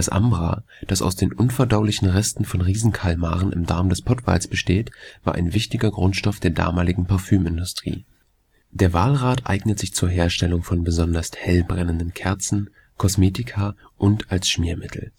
Ambra, das aus den unverdaulichen Resten von Riesenkalmaren im Darm des Pottwals besteht, war ein wichtiger Grundstoff der damaligen Parfümindustrie. Der Walrat eignet sich zur Herstellung von besonders hell brennenden Kerzen, Kosmetika und als Schmiermittel